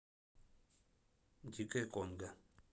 дикое конго